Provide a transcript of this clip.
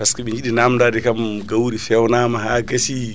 parceque ɓe jiiɗi namdade kam gawri fewnama ha gassi